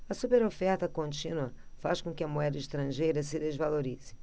a superoferta contínua faz com que a moeda estrangeira se desvalorize